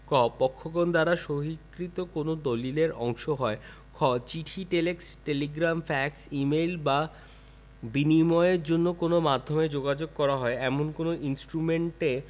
ক পক্ষগণ দ্বারা সহিকৃত কোন দলিলের অংশ হয় খ চিঠি telex telegram fax email বা বিনিময়ের জন্য কোন মাধ্যমে যোগাযোগ করা হয় এমন কোন ইনষ্ট্রুমেন্টে